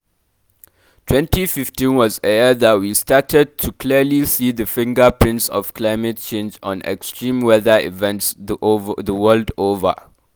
2015 was a year that we started to clearly see the fingerprints of climate change on extreme weather events the world over.